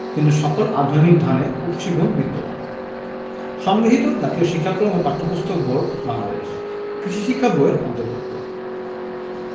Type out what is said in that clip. কিন্তু সকল আধুনিক ধানে উফশী গুণ বিদ্যমান সংগৃহীত জাতীয় শিক্ষাক্রম ও পাঠ্যপুস্তক বোর্ড বাংলাদেশ কৃষি শিক্ষা বই এর অন্তর্ভুক্ত